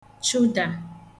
chụdà